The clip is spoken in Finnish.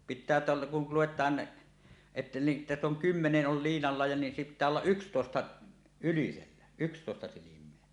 pitää täältä kun luetaan että niin tässä on kymmenen oli liinalla ja niin pitää olla yksitoista ylisellä yksitoista silmää